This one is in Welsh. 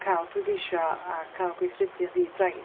Cael pleidleisio a cael gweithredu yn ddi-drais.